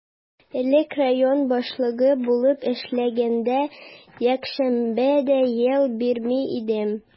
Элек район башлыгы булып эшләгәндә, якшәмбе дә ял бирми идем.